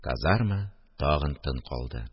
Казарма тагын тын калды